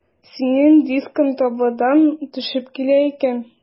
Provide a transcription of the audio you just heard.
Синең дискың табадан төшеп килә икән.